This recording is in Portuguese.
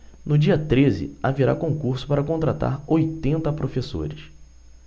no dia treze haverá concurso para contratar oitenta professores